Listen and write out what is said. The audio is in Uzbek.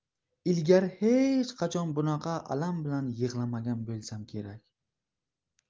ilgari hech qachon bunaqa alam bilan yig'lamagan bo'lsam kerak